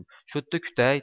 sho'tta kutay